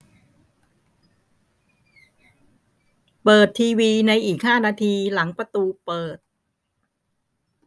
เปิดทีวีในอีกห้านาทีหลังประตูเปิด